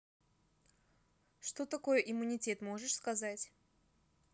что такое иммунитет можешь сказать